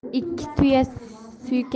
ikki tuya suykansa